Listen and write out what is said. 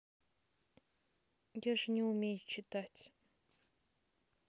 я же еще не умею читать